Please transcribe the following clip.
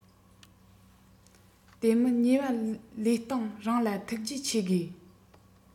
དེ མིན ཉེས པ ལུས སྟེང རང ལ ཐུགས རྗེ ཆེ དགོས